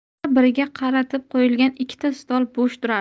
bir biriga qaratib qo'yilgan ikkita stol bo'sh turardi